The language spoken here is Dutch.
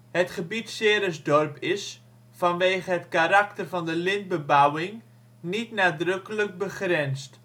Het gebied Ceresdorp is - vanwege het karakter van de lintbebouwing - niet nadrukkelijk begrensd